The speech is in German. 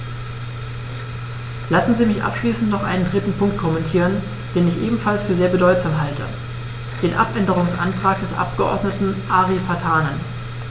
Lassen Sie mich abschließend noch einen dritten Punkt kommentieren, den ich ebenfalls für sehr bedeutsam halte: den Abänderungsantrag des Abgeordneten Ari Vatanen.